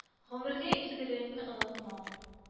Гомергә изгелегеңне онытмам